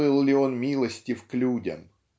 был ли он милостив к людям.